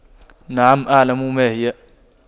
نعم أعلم ماهي